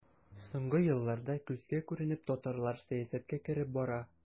Соңгы елларда күзгә күренеп татарлар сәясәткә кереп бара.